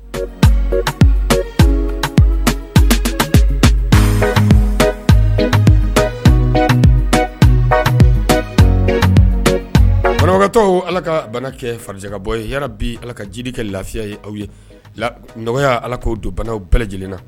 Banakɛtɔ ala ka bana kɛ farika bɔ bi ala ka jiri kɛ lafiya ye aw ye n ala k' don bana bɛɛ lajɛlenna